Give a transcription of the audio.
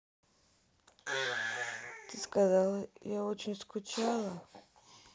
ты сказала я очень скучала